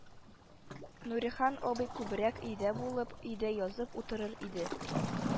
Нурихан абый күбрәк өйдә булып, өйдә язып утырыр иде